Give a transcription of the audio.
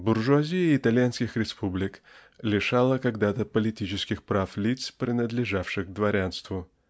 Буржуазия итальянских республик лишала когда то политических прав лиц принадлежавших к дворянству.